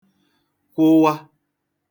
kwụwa